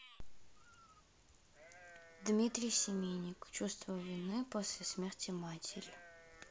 дмитрий семеник чувство вины после смерти матери